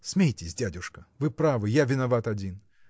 – Смейтесь, дядюшка: вы правы; я виноват один.